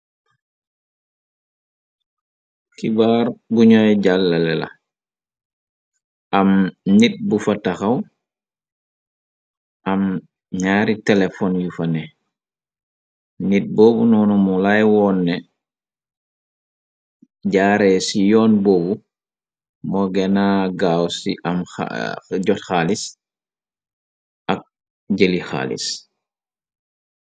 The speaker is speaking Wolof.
Kibaar bu ñooy jàllale la am nit bu fa taxaw am ñaari telefon yu fa ne nit boobu noonu mu laay woonne jaaree ci yoon boobu moo gena gaaw ci am jot xaalis ak jëli xaalis.